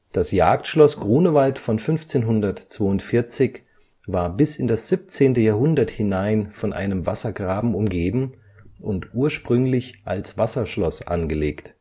Das Jagdschloss Grunewald von 1542 war bis in das 17. Jahrhundert hinein von einem Wassergraben umgeben und ursprünglich als Wasserschloss angelegt